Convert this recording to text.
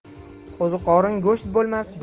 qo'ziqorin go'sht bo'lmas